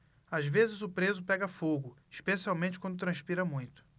às vezes o preso pega fogo especialmente quando transpira muito